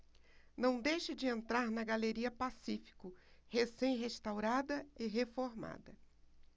não deixe de entrar na galeria pacífico recém restaurada e reformada